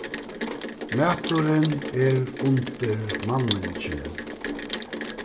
maturin er undir manningini